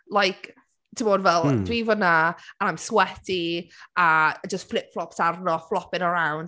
Like timod fel dwi fan'na and I’m sweaty a just flip-flops arno, flopping around.